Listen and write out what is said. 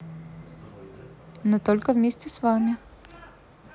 но только вместе с вами